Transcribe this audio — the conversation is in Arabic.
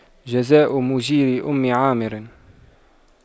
جزاء مُجيرِ أُمِّ عامِرٍ